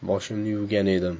boshimni yuvgan edim